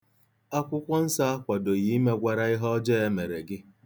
Akwụkwọ Nsọ akwadoghị imegwara ihe ọjọọ e mere gị.